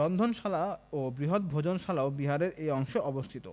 রন্ধনশালা ও বৃহৎ ভোজনশালাও বিহারের এ অংশে অবস্থিত